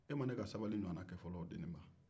a ma ne ka sabali ɲwanna kɛ fɔlɔn wo deniba